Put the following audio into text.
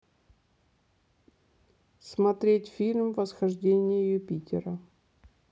смотреть фильм восхождение юпитера